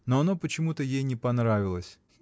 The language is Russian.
Но оно почему-то ей не понравилось.